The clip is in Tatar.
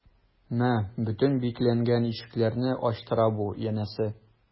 Мә, бөтен бикләнгән ишекләрне ачтыра бу, янәсе...